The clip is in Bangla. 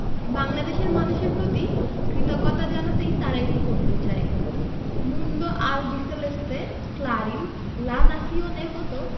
বাংলাদেশের মানুষের প্রতি কৃতজ্ঞতা জানাতেই তারা এটি করতে চায় Mundo Albiceleste Clarin La Nacion র মতো